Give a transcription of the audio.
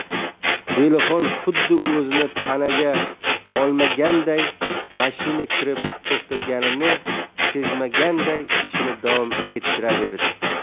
zelixon xuddi o'zini panaga olmaganday mashina kirib to'xtaganini sezmaganday ishini davom ettiraverdi